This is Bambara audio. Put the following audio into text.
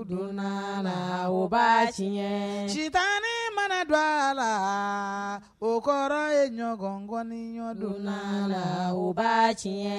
U donnala ba tiɲɛ sitan ne mana don a la o kɔrɔ ye ɲɔgɔn ŋɔni ɲɔgɔndon la ba tiɲɛ